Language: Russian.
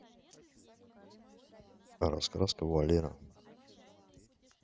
раскраска валера